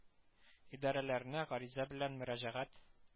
Идарәләренә гариза белән мәрәҗәгать